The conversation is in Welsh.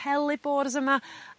hellebores yma